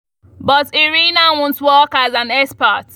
But Irina won’t work as an expert.